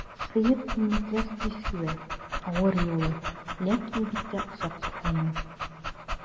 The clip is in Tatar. Сыек иннекләр тиз кибә, авыр юыла, ләкин биттә озак саклана.